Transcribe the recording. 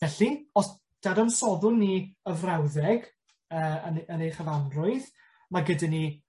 Felly os dadansoddwn ni y frawddeg yy yn e- yn ei chyfanrwydd ma' gyda ni